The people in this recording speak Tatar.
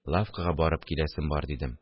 Лавкага барып киләсем бар, – дидем